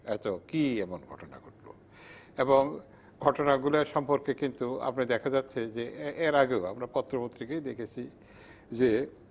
এত কি এমন ঘটলো এবং ঘটনা গুলো সম্পর্কে কিন্তু আপনি দেখা যাচ্ছে এর আগেও আমরা পত্র-পত্রিকায় দেখেছি যে